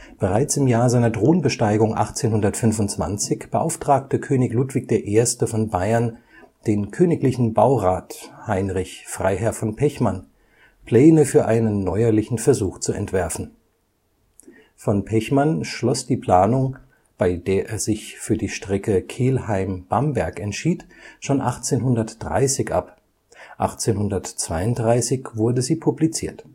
Bereits im Jahr seiner Thronbesteigung 1825 beauftragte König Ludwig I. von Bayern den königlichen Baurat Heinrich Freiherr von Pechmann, Pläne für einen neuerlichen Versuch zu entwerfen. Von Pechmann schloss die Planung, bei der er sich für die Strecke Kelheim-Bamberg entschied, schon 1830 ab, 1832 wurde sie publiziert